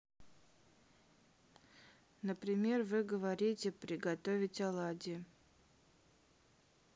например вы говорите приготовить оладьи